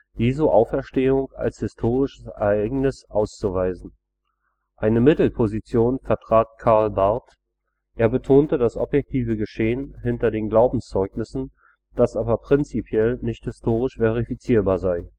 Jesu Auferstehung als „ historisches Ereignis “auszuweisen. Eine Mittelposition vertrat Karl Barth: Er betont das objektive Geschehen hinter den Glaubenszeugnissen, das aber prinzipiell nicht historisch verifizierbar sei